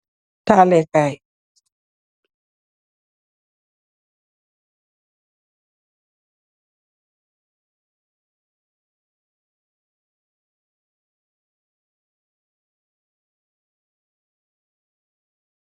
Tahale kai la